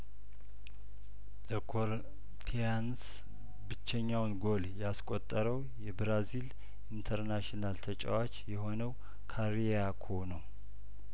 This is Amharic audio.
ለኮረንቲያንስ ብቸኛውን ጐል ያስቆጠረው የብራዚል ኢንተርናሽናል ተጫዋች የሆነው ካሪ ያኮ ነው